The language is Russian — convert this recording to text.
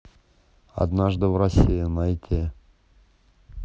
однажды в россии найти